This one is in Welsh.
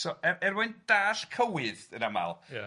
So er er mwyn dallt cywydd yn aml... ia